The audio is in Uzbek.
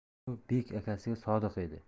u bek akasiga sodiq edi